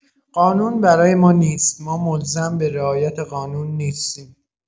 قانون برای ما نیست ما ملزم به رعایت قانون نیستیم